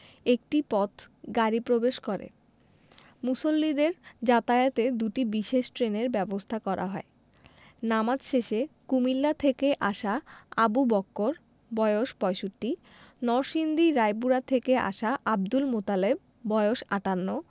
একটি পথ গাড়ি প্রবেশ করে মুসল্লিদের যাতায়াতে দুটি বিশেষ ট্রেনের ব্যবস্থা করা হয় নামাজ শেষে কুমিল্লা থেকে আসা আবু বক্কর বয়স ৬৫ নরসিংদী রায়পুরা থেকে আসা আবদুল মোতালেব বয়স ৫৮